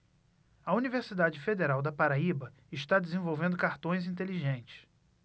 a universidade federal da paraíba está desenvolvendo cartões inteligentes